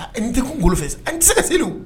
N tɛ n fɛ ani tɛ se ka se